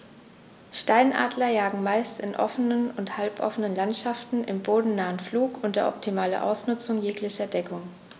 Steinadler jagen meist in offenen oder halboffenen Landschaften im bodennahen Flug unter optimaler Ausnutzung jeglicher Deckung.